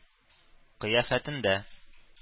Кыяфәтендә